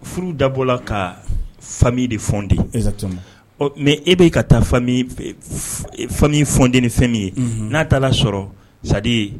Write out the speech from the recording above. Furu dabɔla ka fami de fɔden mɛ e bɛ ka taa fami fɔt ni fɛn min ye n'a ta la sɔrɔ sadi ye